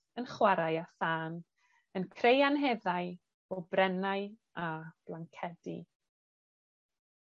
yn chwarae â thân, yn creu anheddau o brennau a blancedi.